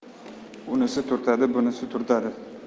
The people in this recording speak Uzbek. unisi turtadi bunisi surtadi